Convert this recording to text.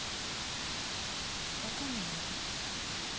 пока не надо